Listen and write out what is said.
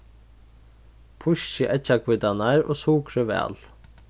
pískið eggjahvítarnar og sukrið væl